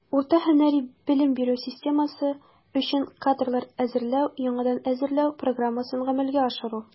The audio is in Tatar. Урта һөнәри белем бирү системасы өчен кадрлар әзерләү (яңадан әзерләү) программасын гамәлгә ашыру.